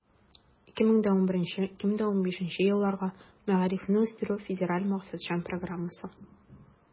2011 - 2015 елларга мәгарифне үстерү федераль максатчан программасы.